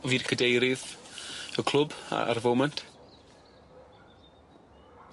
Fi 'di cadeirydd y clwb a- ar y foment.